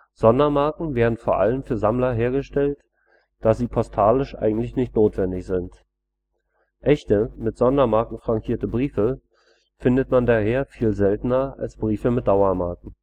Sondermarken werden vor allem für Sammler hergestellt, da sie postalisch eigentlich nicht notwendig sind. Echte, mit Sondermarken frankierte Briefe, findet man daher viel seltener als Briefe mit Dauermarken